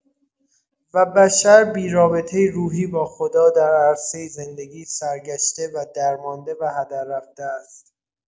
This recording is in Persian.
و بشر بی‌رابطۀ روحی با خدا، در عرصۀ زندگی سرگشته و درمانده و هدر رفته است؛